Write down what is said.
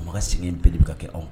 Makan sigilen bɛɛele bɛ ka kɛ anw